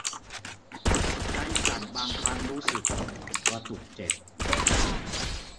ใจสั่นบางครั้งรู้สึกกระตุกเจ็บ